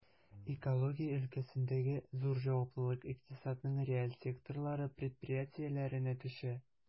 Экология өлкәсендәге зур җаваплылык икътисадның реаль секторлары предприятиеләренә төшә.